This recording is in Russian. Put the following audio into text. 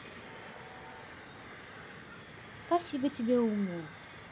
спасибо тебе умная